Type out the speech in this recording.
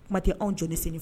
Kuma tɛ anw jɔn ye sini.